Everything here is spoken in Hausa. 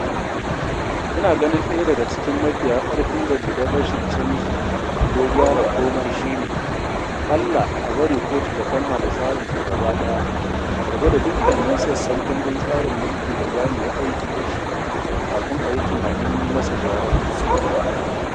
Ina ganin ɗaya daga cikin mafiya ƙarfin dalilan rashin canji ko gyara komai shi ne, a ƙalla a bari kotu ta kammala tsarinta gaba ɗaya, ta gwada dukkanin sassan kundin tsarin mulki da za mu yi aiki da shi, kafin a yi tunanin yi masa gyaran fuska.